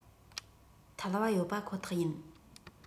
ཐལ བ ཡོད པ ཁོ ཐག ཡིན